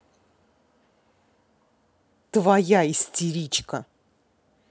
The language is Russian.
твоя истеричка